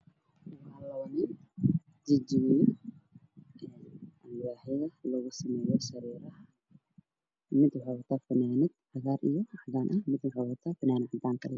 Waxaa ii muuqda laba nin mid wata fanaanad cagaaran iyo mid wato fanaanad cadaan ah waxa ay na hayaan al waaxyo